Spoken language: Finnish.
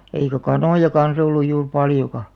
eikä kanoja kanssa ollut juuri paljonkaan